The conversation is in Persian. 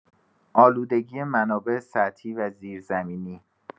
آلودگی منابع سطحی و زیرزمینی